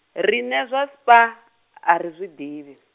riṋe zwa Spar, ari zwindivhi.